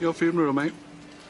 Your funeral mate.